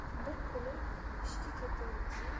bir kuni ishga ketayotsam